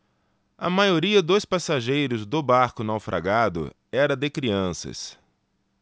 a maioria dos passageiros do barco naufragado era de crianças